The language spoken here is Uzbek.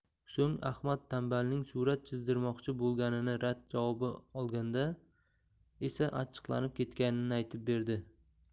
so'ng ahmad tanbalning surat chizdirmoqchi bo'lganini rad javobi olganda esa achchiqlanib ketganini aytib berdi